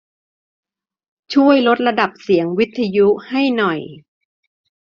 ช่วยลดระดับเสียงวิทยุให้หน่อย